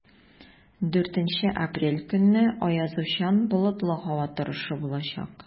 4 апрель көнне аязучан болытлы һава торышы булачак.